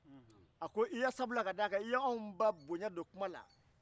sabula i ye anw ba bonya don kuma na